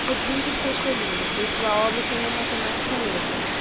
rodrigues foi escolhido pois sua obra tem uma temática negra